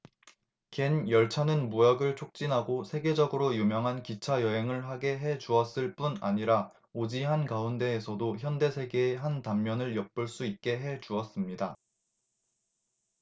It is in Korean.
갠 열차는 무역을 촉진하고 세계적으로 유명한 기차 여행을 하게 해 주었을 뿐 아니라 오지 한가운데에서도 현대 세계의 한 단면을 엿볼 수 있게 해 주었습니다